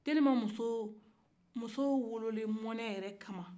de ka sɔrɔ musowololen monnɛ yɛrɛ kama